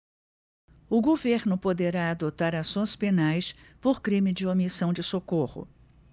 o governo poderá adotar ações penais por crime de omissão de socorro